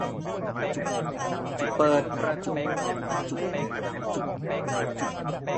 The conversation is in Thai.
เปิดประตูห้องนั่งเล่น